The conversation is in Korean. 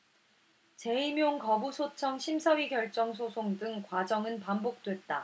재임용 거부 소청 심사위 결정 소송 등 과정은 반복됐다